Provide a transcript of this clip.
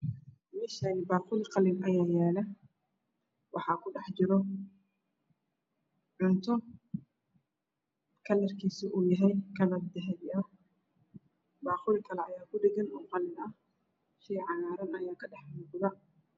Meeshaan baaquli qalin ah ayaa yaalo waxaa ku dhex jiro cunto kalarkeedu uu yahay dahabi. Baaquli kale ayaa kudhagan shay cagaaran ayaa kamuuqdo.